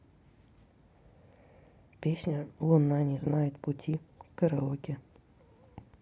песня луна не знает пути караоке